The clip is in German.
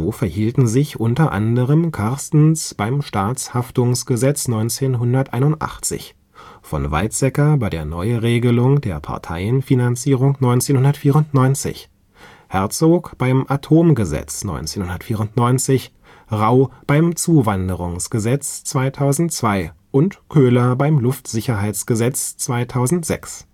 verhielten sich u. a. Carstens beim Staatshaftungsgesetz 1981, von Weizsäcker bei der Neuregelung der Parteienfinanzierung 1994, Herzog beim Atomgesetz 1994, Rau beim Zuwanderungsgesetz 2002 und Köhler beim Luftsicherheitsgesetz 2006